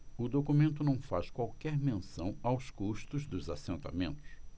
o documento não faz qualquer menção aos custos dos assentamentos